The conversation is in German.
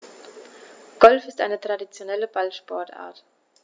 Golf ist eine traditionelle Ballsportart.